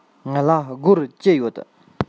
ང ལ སྒོར བཅུ ཡོད